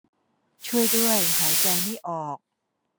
ช่วยด้วยหายใจไม่ออก